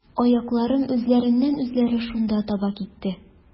Аякларым үзләреннән-үзләре шунда таба китте.